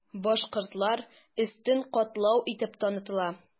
Башкортлар өстен катлау итеп танытыла.